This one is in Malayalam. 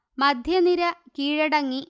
മധ്യനിര കീഴടങ്ങി